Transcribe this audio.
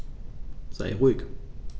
Sei ruhig.